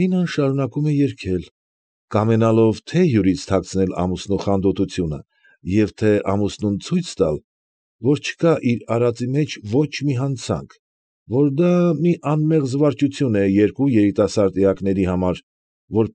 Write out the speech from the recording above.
Ալինան շարունակում է երգել, կամենալով թե՛ հյուրից թաքցնել ամուսնու խանդոտությունը և՛ թե ամուսնուն ցույց տալ, որ չկա իր արածի մեջ ոչ մի հանցանք, որ դա մի անմեղ զվարճություն է երկու երիտասարդ էակների համար, որ։